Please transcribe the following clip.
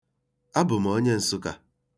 Abụ m onye Nsuka.